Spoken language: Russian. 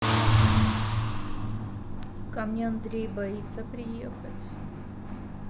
ко мне андрей боится приехать